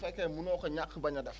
bu fekkee munoo ko ñàkk a bañ a def